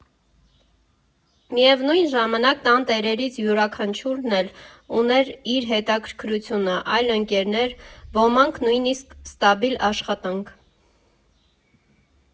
Միևնույն ժամանակ տան տերերից յուրաքանչյուրն էլ ուներ իր հետաքրքրությունը, այլ ընկերներ, ոմանք՝ նույնիսկ ստաբիլ աշխատանք։